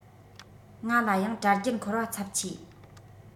ང ལ ཡང དྲ རྒྱར འཁོར བ འཚབ ཆེ